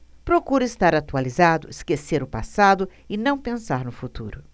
procuro estar atualizado esquecer o passado e não pensar no futuro